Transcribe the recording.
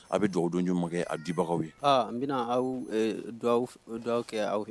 A bɛ dugawudon ye mɔkɛ a dibagaw ye aa n bɛna dɔw kɛ aw